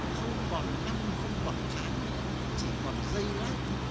không còn năm không còn tháng nữa chỉ còn giây lát thôi